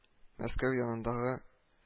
Мәскәү янындагы